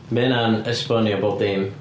Mae hynna'n esbonio bob dim.